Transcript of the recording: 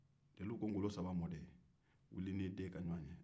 jeliw ko ŋolo saba mɔden wuli i n'i den ka ɲɔgɔn ye